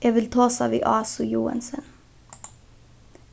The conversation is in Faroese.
eg vil tosa við ásu joensen